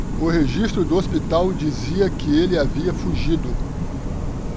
o registro do hospital dizia que ele havia fugido